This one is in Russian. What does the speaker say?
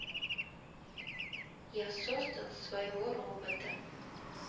я создал своего робота